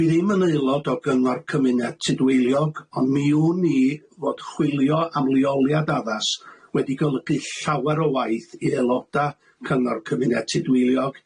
Tydw i ddim yn aelod o gyngor cymuned Tudweiliog ond mi wn i fod chwilio am leoliad addas wedi golygu llawer o waith i aeloda cyngor cymuned Tudweiliog